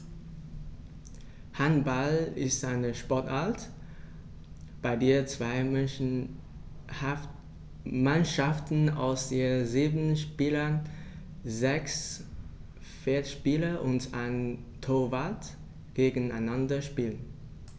Handball ist eine Sportart, bei der zwei Mannschaften aus je sieben Spielern (sechs Feldspieler und ein Torwart) gegeneinander spielen.